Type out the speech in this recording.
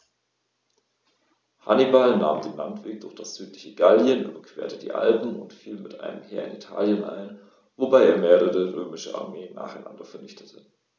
Hannibal nahm den Landweg durch das südliche Gallien, überquerte die Alpen und fiel mit einem Heer in Italien ein, wobei er mehrere römische Armeen nacheinander vernichtete.